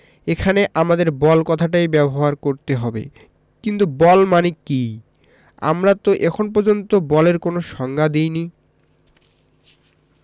এখানে আমাদের বল কথাটাই ব্যবহার করতে হবে কিন্তু বল মানে কী আমরা তো এখন পর্যন্ত বলের কোনো সংজ্ঞা দিইনি